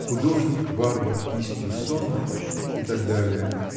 Художник варвар кистью сонной и т.д.